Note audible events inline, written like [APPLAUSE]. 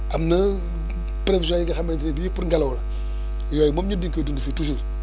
am na [HESITATION] prévisions yoo xamante ne bii pour ngelaw la yooyu moom ñun dañ koy dund fii toujours